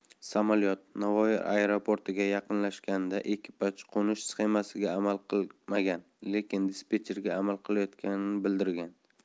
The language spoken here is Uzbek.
samolyot navoiy aeroportiga yaqinlashganida ekipaj qo'nish sxemasiga amal qilmagan lekin dispetcherga amal qilayotganini bildirgan